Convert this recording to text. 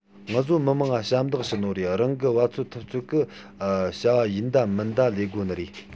ངུ བཟོ མི དམངས ང ཞབས འདེགས ཞུ ནོ རེད རང གི བ ཚོད ཐུབ ཚོད གིས བྱ བ ཡིན ད མིན ད ལས དགོ ནི རེད